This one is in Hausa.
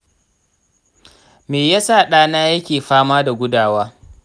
me yasa ɗana yake fama da gudawa?